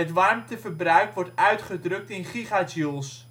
warmteverbruik wordt uitgedrukt in gigajoules